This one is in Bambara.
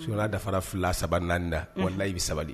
Son dafara fila saba naanida wa nahi sabali